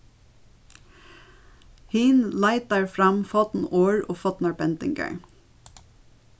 hin leitar fram forn orð og fornar bendingar